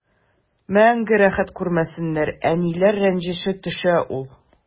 Мәңге рәхәт күрмәсеннәр, әниләр рәнҗеше төшә ул.